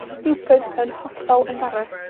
stupide, yn hollol embarrased.